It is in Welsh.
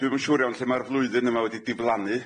Dwi'm yn shŵr iawn lle ma'r flwyddyn yma wedi diflannu.